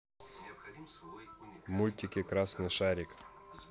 мультики красный шарик